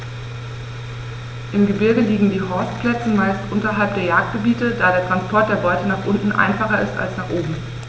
Im Gebirge liegen die Horstplätze meist unterhalb der Jagdgebiete, da der Transport der Beute nach unten einfacher ist als nach oben.